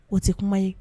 O tɛ kuma ye